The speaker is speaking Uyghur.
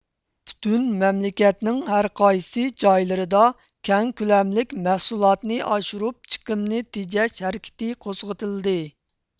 پۈتۈن مەملىكەتنىڭ ھەرقايسى جايلىرىدا كەڭ كۆلەملىك مەھسۇلاتنى ئاشۇرۇپ چىقىمنى تېجەش ھەرىكىتى قوزغىتىلدى